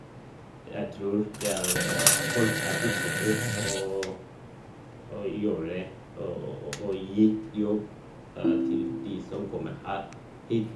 Jeg tror det er folk er usikker å å gjøre å å å å gi jobb til de som kommer her hit.